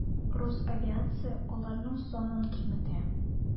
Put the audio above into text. Росавиация аларның санын киметә.